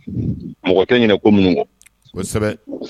Mɔgɔ te ɲinɛ ko munnu kɔ kosɛbɛ